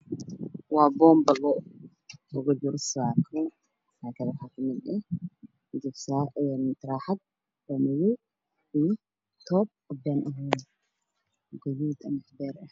Waa banbala cadaan ku jirto midabkeedu yahay qaxwi